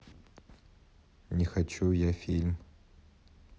не хочу я фильм